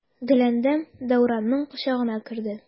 Гөләндәм Дәүранның кочагына керде.